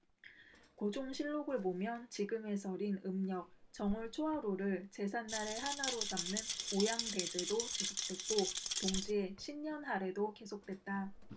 고종실록 을 보면 지금의 설인 음력 정월초하루를 제삿날의 하나로 삼는 오향대제도 지속됐고 동지의 신년하례도 계속됐다